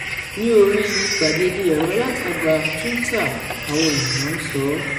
Ní oríi gbàgede ẹ̀rọ-alátagbà Twitter, àwọn ènìyàn ń sọ.